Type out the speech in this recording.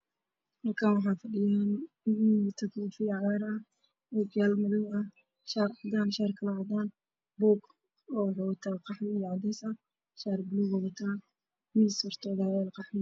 Halkan wax fadhiyo nin wato labo shaati cadaan shaati buluug buug qaxwi